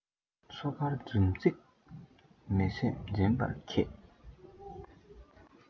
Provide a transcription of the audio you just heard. སོ དཀར འཛུམ ལེགས མི སེམས འཛིན པར མཁས